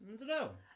I don't know.